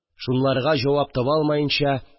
Шунларга җавап таба алмаенча